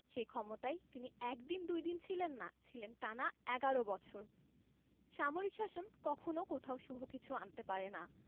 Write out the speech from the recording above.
সেই ক্ষমতায় তিনি একদিন দুইদিন ছিলেন না ছিলেন টানা এগারো বৎসর সামরিক শাসন কখনও কোথাও শুভ কিছু আনতে পারে না